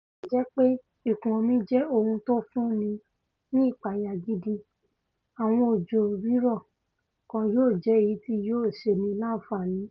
bó tilẹ̀ jẹ́ pé ìkùn-omi jẹ ohun tó fúnni ní ìpayà gidi, àwọn òjò-rírọ̀ kan yóò jẹ́ èyití yóò ṣeni láǹfààní